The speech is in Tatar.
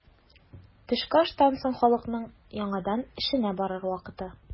Төшке аштан соң халыкның яңадан эшенә барыр вакыты.